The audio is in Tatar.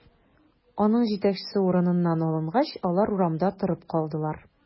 Аның җитәкчесе урыныннан алынгач, алар урамда торып калдылар.